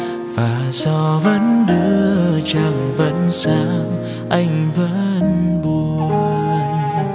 và gió vẫn đưa trăng vẫn sáng anh vẫn buồn